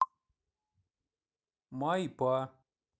ма и па